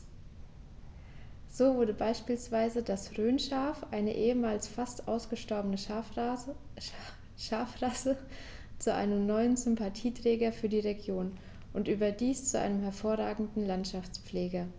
So wurde beispielsweise das Rhönschaf, eine ehemals fast ausgestorbene Schafrasse, zu einem neuen Sympathieträger für die Region – und überdies zu einem hervorragenden Landschaftspfleger.